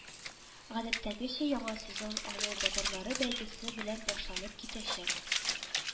Гадәттәгечә, яңа сезон авыл батырлары бәйгесе белән башланып китәчәк